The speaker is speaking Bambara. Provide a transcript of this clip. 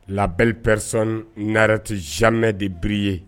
Labpɛresiti n narete zme de biri ye